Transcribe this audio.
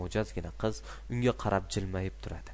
mo''jazgina qiz unga qarab jilmayib turadi